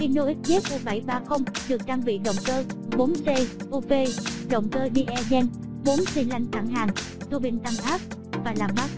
hino xzu được trang bị động cơ n cuv động cơ diezen xilanh thẳng hàng tuabin tăng áp và làm mát khí nạp